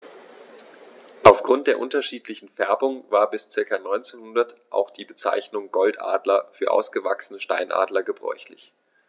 Auf Grund der unterschiedlichen Färbung war bis ca. 1900 auch die Bezeichnung Goldadler für ausgewachsene Steinadler gebräuchlich.